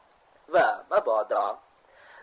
va mabodo